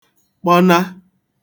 kpọna